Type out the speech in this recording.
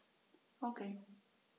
Okay.